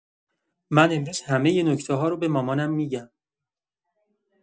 من امروز همه نکته‌ها رو به مامانم می‌گم.